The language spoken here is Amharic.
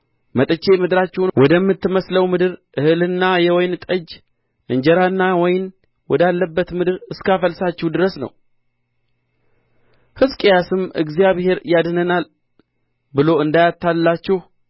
መጥቼ ምድራችሁን ወደምትመስለው ምድር እህልና የወይን ጠጅ እንጀራና ወይን ወዳለበት ምድር እስካፈልሳችሁ ድረስ ነው ሕዝቅያስም እግዚአብሔር ያድነናል ብሎ እንዳያታልላችሁ